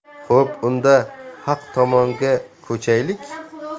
xo'p unda haq tomonga ko'chaylik